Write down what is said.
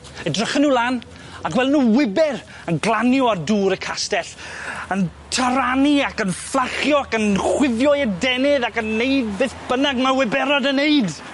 Edrychon n'w lan a gwel' nw wiber yn glanio ar dŵr y castell yn taranu ac yn fflachio ac yn chwifio ei adenydd ac yn neud beth bynnag ma' wiberod yn neud.